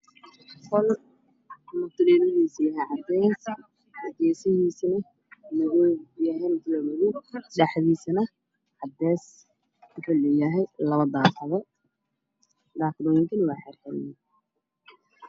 Qol mutuleeladiisa yahay cadeys geesihiisana madow dhexdiisana cadeys wuxuna leeyahay labo daaqadood ,daaqad fyran iyo mid xiran